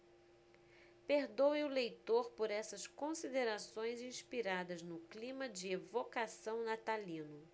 perdoe o leitor por essas considerações inspiradas no clima de evocação natalino